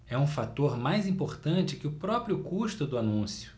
é um fator mais importante que o próprio custo do anúncio